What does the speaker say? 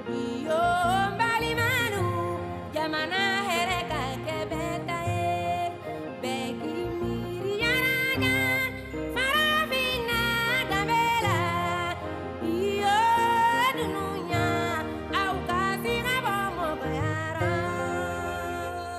Miniyan yo balido jama yɛrɛ ka kɛ ka bɛgki miya la faama minna la miniyan yo ninnuyan a batigi ba koyara